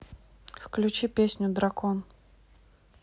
включи песню дракон